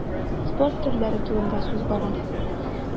Спорт төрләре турында сүз бара.